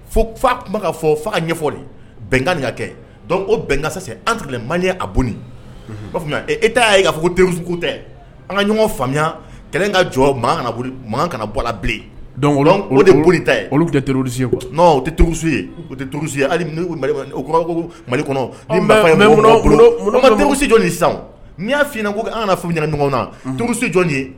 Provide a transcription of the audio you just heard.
Fo fa tun ka fɔ fa ɲɛfɔ bɛn ka kɛ o bɛn an mali a bon e ta ye'a fɔ denmusokun tɛ an ka ɲɔgɔn faamuyaya kɛlɛ ka jɔ kana bɔ bilen boli ta ye olu tɛ tosi ye o tɛ tosu ye o tɛ ye mali kɔnɔsi jɔn n'i y'a fna ko an fɔ ɲɛna ɲɔgɔn na tosi jɔn ye